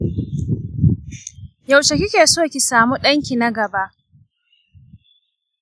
yaushe kike so ki samu ɗànki na gaba?